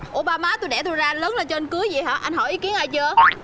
ủa ba má tôi đẻ tôi ra lớn lên cho anh cưới vậy hả anh hỏi ý kiến ai chưa